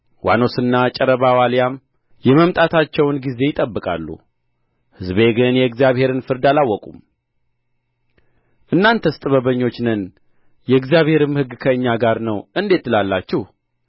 ዋኖስና ጨረባ ዋልያም የመምጣታቸውን ጊዜ ይጠብቃሉ ሕዝቤ ግን የእግዚአብሔርን ፍርድ አላወቁም እናንተስ ጥበበኞች ነን የእግዚአብሔርም ሕግ ከእኛ ጋር ነው እንዴት ትላላችሁ